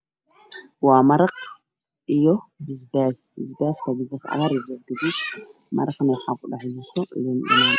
Waa maraq iyo basbaas basbaaska waa basbaas cagaar iyo beer gaduud maraqana waxa ku dhex jirto liin dhanaan